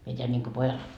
minä teen niin kuin pojalle